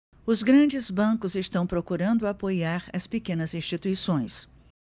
os grandes bancos estão procurando apoiar as pequenas instituições